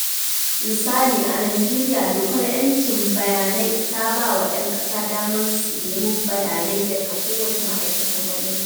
Misali, a Najeriya, Dokar 'Yancin Bayanai ta ba wa 'yan ƙasa damar su nemi bayanai daga kowace ma'aikatar gwamnati.